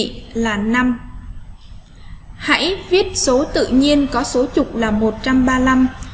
bị là hãy viết số tự nhiên có số chục là